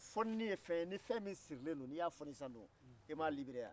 fonini ye fɛn ye ni fɛn min sirilen don n'i y a foni sisan dun i m'a libere wa